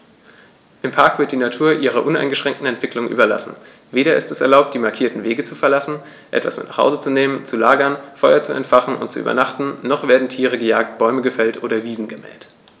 Im Park wird die Natur ihrer uneingeschränkten Entwicklung überlassen; weder ist es erlaubt, die markierten Wege zu verlassen, etwas mit nach Hause zu nehmen, zu lagern, Feuer zu entfachen und zu übernachten, noch werden Tiere gejagt, Bäume gefällt oder Wiesen gemäht.